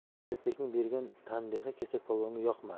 asadbekning bergan tanbehi kesakpolvonga yoqmadi